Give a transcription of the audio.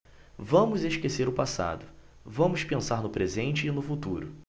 vamos esquecer o passado vamos pensar no presente e no futuro